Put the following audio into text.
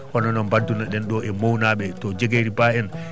hono no badduno ɗenɗo e Mauw naɓe to Djeguéri Ba en